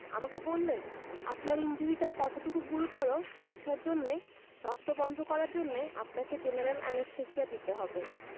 আমাকে বললেন আপনার ইনজুরিটা কতটুকু গুরুতর বোঝার জন্যে রক্ত বন্ধ করার জন্যে আপনাকে জেনারেল অ্যানেসথেসিয়া দিতে হবে